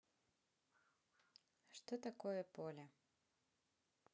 что такое поле